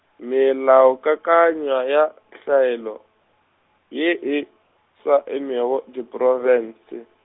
melaokakanywa ya tlwaelo, ye e sa emego diprofense.